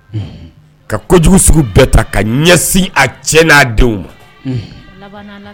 Ka kojugu sugu bɛɛ ta ka ɲɛsin a cɛ n'a denw ma